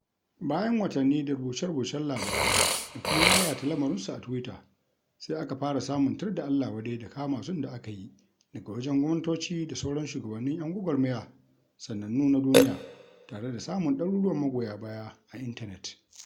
Bayan watanni da rubuce-rubucen labarai da kuma yayata lamarinsu a Tuwita, sai aka fara samun tir da allawadai da kama sun da aka yi daga wajen gwamnatoci da sauran shugabannin 'yan gwagwarmaya sanannu na duniya, tare da samun ɗaruruwan magoya baya a intanet.